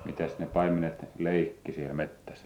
mitäs ne paimenet leikki siellä metsässä